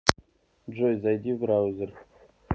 джой зайди в браузер